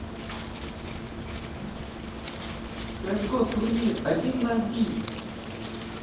cs go турнир один на один